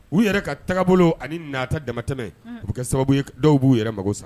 U yɛrɛ ka taabolo ani nata damatɛmɛ, u bɛ kɛ sababu dɔw b'u yɛrɛ mago sa.